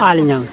Aly Niang